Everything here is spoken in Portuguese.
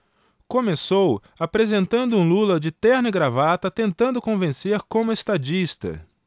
começou apresentando um lula de terno e gravata tentando convencer como estadista